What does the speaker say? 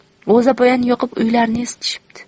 g'o'zapoyani yoqib uylarni isitishibdi